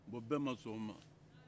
bɔn bɛɛ ma sɔn o ma